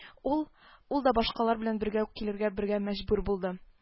Ул ул да башкалар белән бергә кул бирергә мәҗбүр булды. э